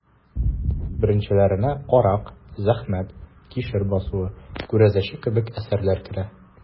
Беренчеләренә «Карак», «Зәхмәт», «Кишер басуы», «Күрәзәче» кебек әсәрләр керә.